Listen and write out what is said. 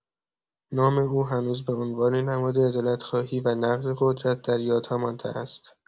نام او هنوز به‌عنوان نماد عدالت‌خواهی و نقد قدرت در یادها مانده است.